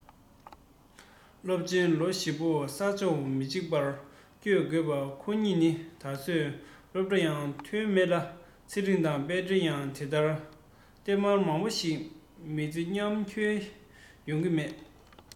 སློབ ཆེན ལོ བཞི པོ ས ཕྱོགས མི གཅིག པར བསྐྱོལ དགོས པ ཁོ གཉིས ནི ད གཟོད སློབ གྲྭ ཡང ཐོན མེད ལ ཚེ རིང དང དཔལ སྒྲོན ཡང དེ ལྟ སྟེ མར མང པོ ཞིག མི ཚེ མཉམ འཁྱོལ ཡོང གི མེད